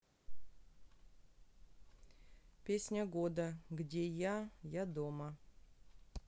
песня года где я я дома